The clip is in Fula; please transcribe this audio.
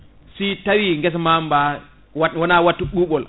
si tawi guessa ma mba wat wona wattu ɓuɓol